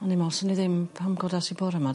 O'n i'n me'wl swn i ddim pan godas i bore 'ma...